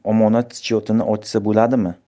holda omonat schyoti ochsa bo'ladimi